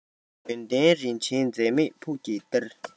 ཡོན ཏན རིན ཆེན འཛད མེད ཕུགས ཀྱི གཏེར